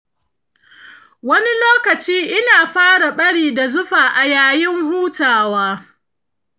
wani lokaci ina fara ɓari da zufa a yayin hutawa.